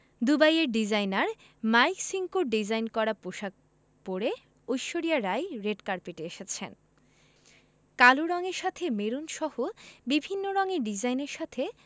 দুবাইয়ের designer Mike সিঙ্কোর design করা পোশাক পরে ঐশ্বরিয়া রাই রেড কার্পেটে এসেছেন কালো রঙের সাথে মেরুনসহ বিভিন্ন রঙের ডিজাইনের সাথে